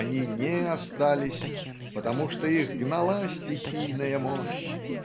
они не остались, потому что их гнала стихийная мощь.